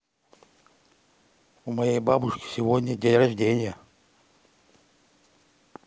у моей бабушки сегодня день рождения